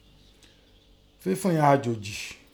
Fẹ́fún ìghan àjòjì.